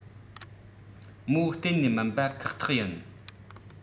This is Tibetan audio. མོ གཏན ནས མིན པ ཁག ཐག ཡིན